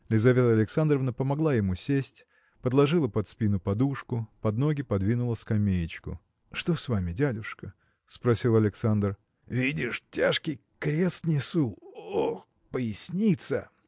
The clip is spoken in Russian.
Лизавета Александровна помогла ему сесть подложила под спину подушку под ноги подвинула скамеечку. – Что с вами, дядюшка? – спросил Александр. – Видишь: тяжкий крест несу! Ох, поясница!